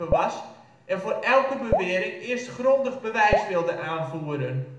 was en voor elke bewering eerst grondig bewijs wilde aanvoeren